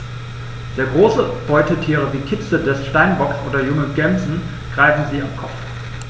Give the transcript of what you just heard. Sehr große Beutetiere wie Kitze des Steinbocks oder junge Gämsen greifen sie am Kopf.